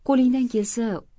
qo'lingdan kelsa